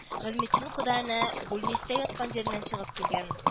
Гыйльметдин кода әнә, бүлнистә яткан җиреннән чыгып килгән